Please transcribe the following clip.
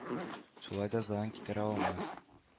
Шулай да зыян китерә алмас